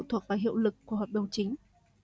thuộc vào hiệu lực của hợp đồng chính